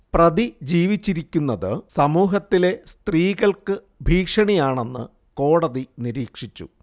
പ്രതി ജീവിച്ചിരിക്കുന്നത് സമൂഹത്തിലെ സ്ത്രീകൾക്ക് ഭീഷണിയാണെന്ന് കോടതി നിരീക്ഷിച്ചു